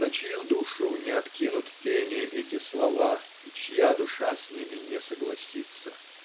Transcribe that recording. на чью душу не откинут тени эти слова и чья душа с ними не согласится?.